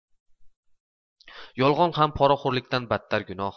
yolg'on ham poraxo'rliqdan battar gunoh